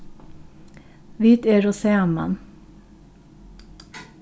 vit eru saman